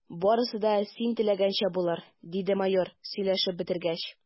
Барысы да син теләгәнчә булыр, – диде майор, сөйләшеп бетергәч.